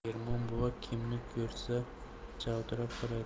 ermon buva kimni ko'rsa javdirab qaraydi